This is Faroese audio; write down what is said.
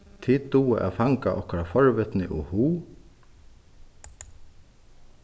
tit duga at fanga okkara forvitni og hug